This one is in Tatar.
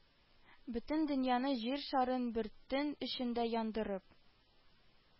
Бөтен дөньяны, Җир шарын бер төн эчендә яндырып